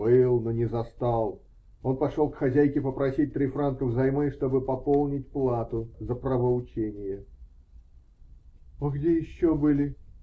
-- Был, но не застал: он пошел к хозяйке попросить три франка взаймы, чтоб пополнить плату за правоучение. -- А где еще были?